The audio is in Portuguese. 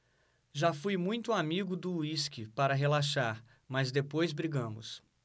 já fui muito amigo do uísque para relaxar mas depois brigamos